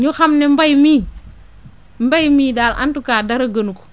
ñu xam ne mbay mii mbay mii daal en tout cas dara gënu ko